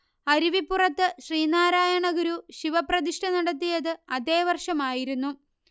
അരുവിപ്പുറത്തു് ശ്രീനാരായണഗുരു ശിവപ്രതിഷ്ഠ നടത്തിയതു് അതേ വർഷമായിരുന്നു